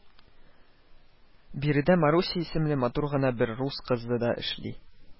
Биредә Маруся исемле матур гына бер рус кызы да эшли